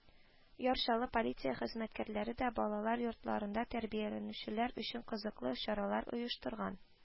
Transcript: Яр Чаллы полиция хезмәткәрләре дә балалар йортларында тәрбияләнүчеләр өчен кызыклы чаралар оештырган